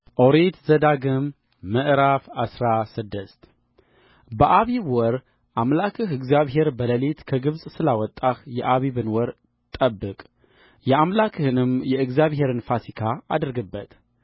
ኦሪት ዘዳግም ምዕራፍ አስራ ስድስት በአቢብ ወር አምላክህ እግዚአብሔር በሌሊት ከግብፅ ስላወጣህ የአቢብን ወር ጠብቅ የአምላክህንም የእግዚአብሔርን ፋሲካ አድርግበት